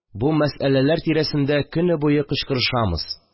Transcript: Бу мәсьәләләр тирәсендә көне буе кычкырышамыз